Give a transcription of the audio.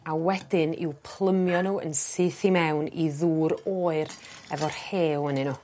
a wedyn i'w plymio n'w yn syth i mewn i ddŵr oer efo rhew ynnyn n'w.